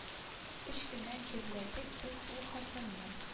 Өч көннән җирләдек без ул хатынны